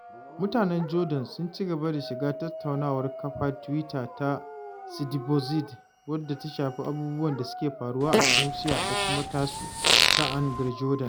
Mutanen Jordan suna ci gaba da shiga tattaunawar kafar Tiwita ta #sidibouzid (wadda ta shafi abubuwan da suke faruwa a Tunusia) da kuma tasu ta #angryjordan.